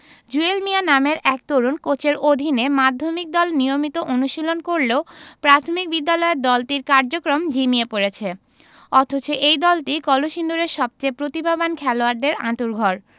জুয়েল মিয়া নামের এক তরুণ কোচের অধীনে মাধ্যমিক দল নিয়মিত অনুশীলন করলেও প্রাথমিক বিদ্যালয়ের দলটির কার্যক্রম ঝিমিয়ে পড়েছে অথচ এই দলটিই কলসিন্দুরের সবচেয়ে প্রতিভাবান খেলোয়াড়দের আঁতুড়ঘর